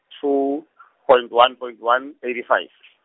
two , point one point one, eighty five .